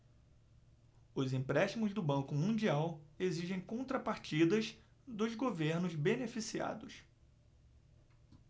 os empréstimos do banco mundial exigem contrapartidas dos governos beneficiados